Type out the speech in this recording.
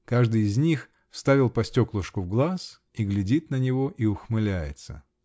Каждый из них вставил по стеклышку в глаз и глядит на него и ухмыляется.